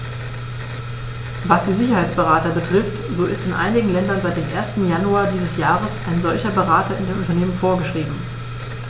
Was die Sicherheitsberater betrifft, so ist in einigen Ländern seit dem 1. Januar dieses Jahres ein solcher Berater in den Unternehmen vorgeschrieben.